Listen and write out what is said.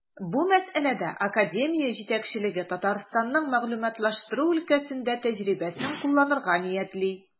Бу мәсьәләдә академия җитәкчелеге Татарстанның мәгълүматлаштыру өлкәсендә тәҗрибәсен кулланырга ниятли.